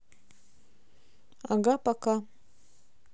ага пока